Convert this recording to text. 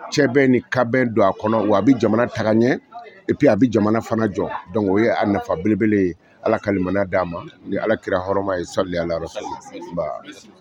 Cɛ bɛn ni ka bɛn don a kɔnɔ, wa a bɛ jamana taga ɲɛ et puis a bɛ jamana fana jɔ, o ye a nafa belebele ye allah ka limaniya d'an ma ni alakira hɔrama ye, sɔli alaa rasuli